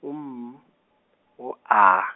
ngu M, ngu A.